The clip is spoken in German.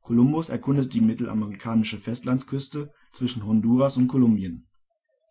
Kolumbus erkundete die mittelamerikanische Festlandsküste zwischen Honduras und Kolumbien.